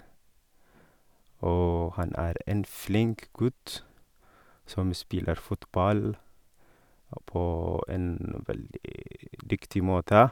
Og han er en flink gutt som spiller fotball på en veldig dyktig måte.